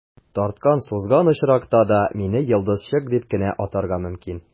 Тарткан-сузган очракта да, мине «йолдызчык» дип кенә атарга мөмкин.